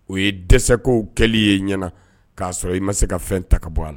O ye dɛsɛ kow kɛli ye i ɲɛna, k'a sɔrɔ i ma se ka fɛn ta ka bɔ a la.